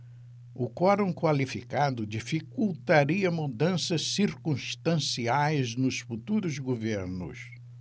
o quorum qualificado dificultaria mudanças circunstanciais nos futuros governos